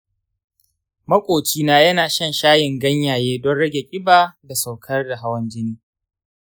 maƙoci na yana shan shayin ganyaye don rage ƙiba da saukar da hawan jini.